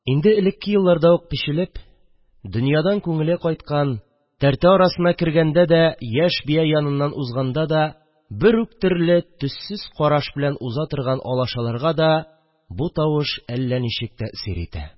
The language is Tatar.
Инде элекке елларда ук печелеп, донъядан күңеле кайткан, тәртә арасына кергәндә дә, яшь бия яныннан узганда да бер үк төрле төссез караш белән уза торган алашаларга да бу тавыш әллә ничек тәэсир итә